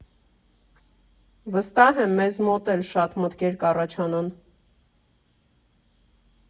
Վստահ եմ, ձեզ մոտ էլ շատ մտքեր կառաջանան։